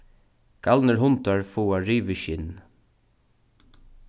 galnir hundar fáa rivið skinn